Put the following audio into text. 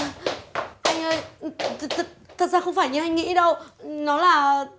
anh ơi thật thật ra không phải như anh nghĩ đâu nó là